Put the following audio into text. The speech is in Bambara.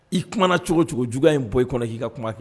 I kuma cogo cogo juguya in bɔ i kɔnɔ k'i ka kuma kɛ